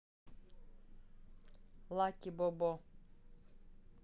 лаки бо бо